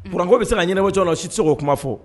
Kuran ko be se ka ɲɛnabɔ cogoya min na ,si te se ko kuma fɔ